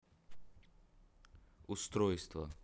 устройство